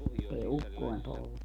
että ei ukkonen polta